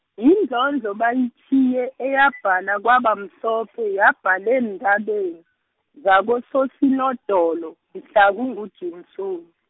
yindlondlo bayitjhiye eyabhala kwabamhlophe yabhala eentabeni, zakoSoSinodolo, mhla kunguJimsoni .